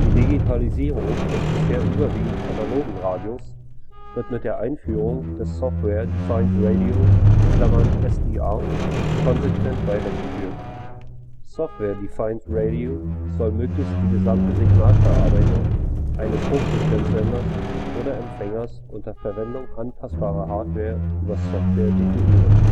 Digitalisierung des bisher überwiegend analogen Radios wird mit der Einführung des Software Defined Radio (SDR) konsequent weitergeführt. Software Defined Radio soll möglichst die gesamte Signalverarbeitung eines Hochfrequenzsenders oder - empfängers unter Verwendung anpassbarer Hardware über Software definieren